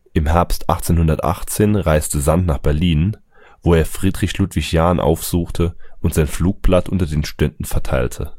Im Herbst 1818 reiste Sand nach Berlin, wo er Friedrich Ludwig Jahn aufsuchte und sein Flugblatt unter den Studenten verteilte